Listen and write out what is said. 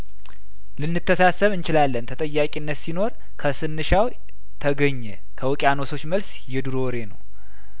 ልንተሳሰብ እንችላለን ተጠያቂነት ሲኖር ከስንሻው ተገኘ ከውቅያኖሶች መለስ የድሮ ወሬ ነው